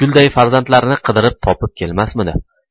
gulday farzandlarini qidirib topib kelmasmidi